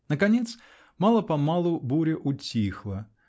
Наконец, мало-помалу буря утихла.